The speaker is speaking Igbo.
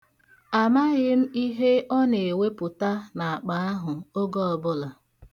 Amaghị m ihe ọ na-ewepụta n'akpa ahụ oge ọbụla.